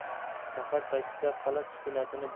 sahar paytida qala sukunatini